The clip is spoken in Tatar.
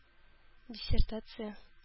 Диссертация